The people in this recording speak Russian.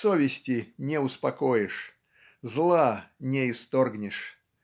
совести не успокоишь, зла не исторгнешь.